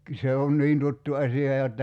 se on niin tuttu asia jotta